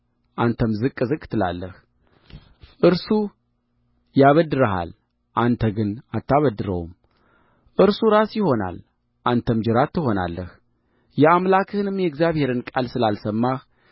አንተም ዝቅ ዝቅ ትላለህ እርሱ ያበድርሃል አንተ ግን አታበድረውም እርሱ ራስ ይሆናል አንተም ጅራት ትሆናለህ የአምላክህንም የእግዚአብሔርን ቃል ስላልሰማህ